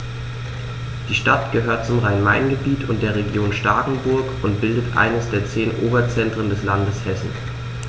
Die Stadt gehört zum Rhein-Main-Gebiet und der Region Starkenburg und bildet eines der zehn Oberzentren des Landes Hessen.